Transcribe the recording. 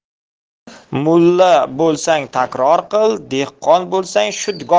mulla bo'lsang takror qil dehqon bo'lsang shudgor qil